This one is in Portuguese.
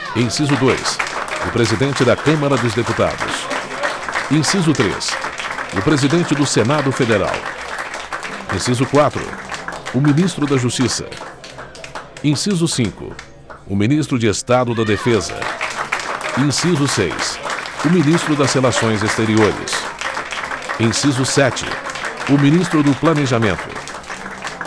inciso dois o presidente da câmara dos deputados inciso três o presidente do senado federal inciso quatro o ministro da justiça inciso cinco o ministro de estado da defesa inciso seis o ministro das relações exteriores inciso sete o ministro do planejamento